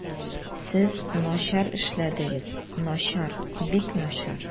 Сез начар эшләдегез, начар, бик начар.